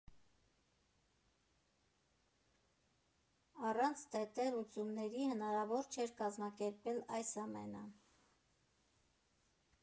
Առանց ՏՏ լուծումների հնարավոր չէր կազմակերպել այս ամենը։